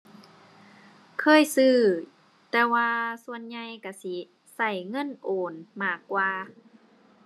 เคยซื้อ แต่ว่าส่วนใหญ่ก็สิก็เงินโอนมากกว่า